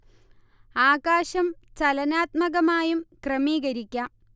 ആകാശം ചലനാത്മകമായും ക്രമീകരിക്കാം